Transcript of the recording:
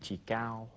chỉ cao